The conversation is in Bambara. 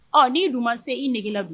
Ɔ n'i dun ma se i nege bi